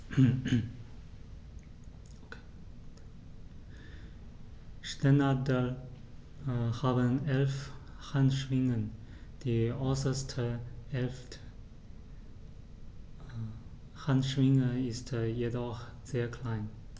Steinadler haben 11 Handschwingen, die äußerste (11.) Handschwinge ist jedoch sehr klein.